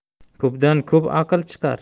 ko'pdan ko'p aql chiqar